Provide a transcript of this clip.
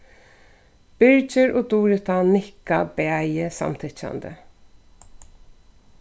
birgir og durita nikka bæði samtykkjandi